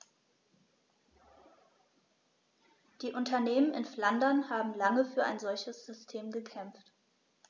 Die Unternehmen in Flandern haben lange für ein solches System gekämpft.